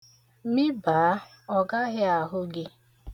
Mịbaa, ọ gaghị ahụ gị.